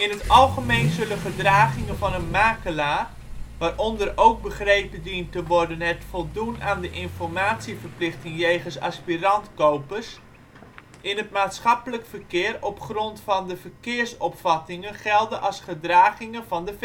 het algemeen zullen gedragingen van een makelaar, waaronder ook begrepen dient te worden het voldoen aan de informatieverplichting jegens aspirant-kopers, in het maatschappelijk verkeer op grond van de verkeersopvattingen gelden als gedragingen van de